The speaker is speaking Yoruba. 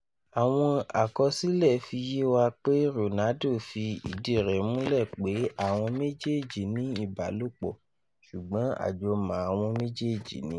Àwọn àkọsílẹ̀ fi yé wa pé Ronaldo fi ìdí rẹ̀ múlẹ̀ pé àwọn méjèèjì ní ìbálòpọ̀, ṣùgbọ́n àjọ̀mọ̀àwọn méjèèjì ní.